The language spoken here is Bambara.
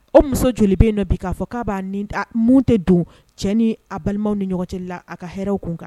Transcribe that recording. O muso joli be yen nɔ bi, ka fɔ ka ba ni da . Mun tɛ don cɛ ni a balimaw ni ɲɔgɔn cɛ la . A ka hɛrɛw kun kan